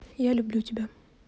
я люблю тебя